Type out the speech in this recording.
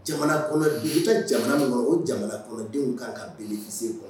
Jamanakɔnɔdenw tɛ jamana min kɔnɔ o jamanakɔnɔdenw ka kan